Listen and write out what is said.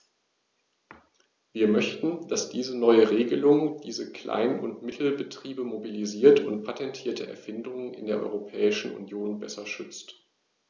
Wir möchten, dass diese neue Regelung diese Klein- und Mittelbetriebe mobilisiert und patentierte Erfindungen in der Europäischen Union besser schützt.